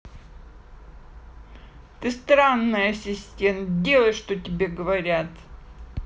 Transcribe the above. ты странный ассистент делай как тебе говорят